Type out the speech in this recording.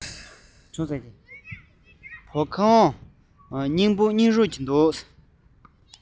བོད ཁང སྙིང ཧྲུལ